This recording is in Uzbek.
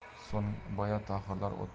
so'ng boya tohirlar